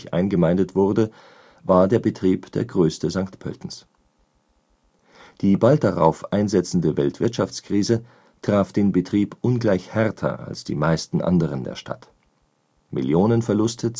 eingemeindet wurde, war der Betrieb der größte St. Pöltens. Die bald darauf einsetzende Weltwirtschaftskrise traf den Betrieb ungleich härter als die meisten anderen der Stadt. Millionenverluste